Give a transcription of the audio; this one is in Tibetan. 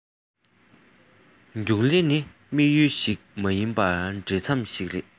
རྒྱུགས ལེན ནི དམིགས ཡུལ ཞིག མ ཡིན པར འབྲེལ ཟམ ཞིག ཡིན